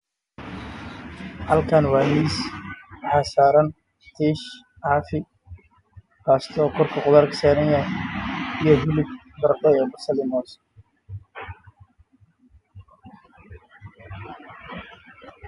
Waa saxan cadaan waxaa ku jira bariis iyo hilib